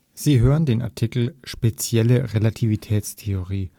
Sie hören den Artikel Spezielle Relativitätstheorie